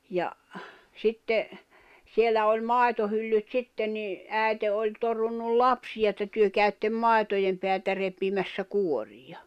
ja sitten siellä oli maitohyllyt sitten niin äiti oli torunut lapsia että te käytte maitojen päältä repimässä kuoria